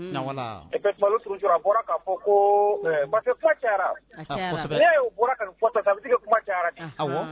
A bɔra ba' bɔra kuma